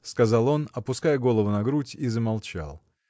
— сказал он, опуская голову на грудь, и замолчал.